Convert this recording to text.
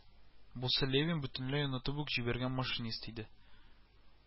Бусы Левин бөтенләй онытып ук җибәргән машинист иде